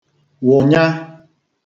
wụ̀nya